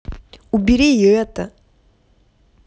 убери и это